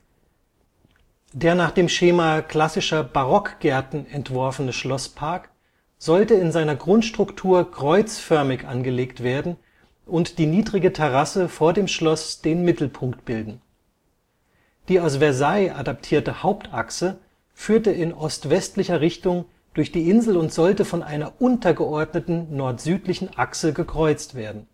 Der nach dem Schema klassischer Barockgärten entworfene Schlosspark sollte in seiner Grundstruktur kreuzförmig angelegt werden und die niedrige Terrasse vor dem Schloss den Mittelpunkt bilden. Die aus Versailles adaptierte Hauptachse führte in ostwestlicher Richtung durch die Insel und sollte von einer untergeordneten nordsüdlichen Achse gekreuzt werden